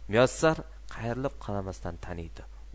muyassar qayrilib qaramasdanoq taniydi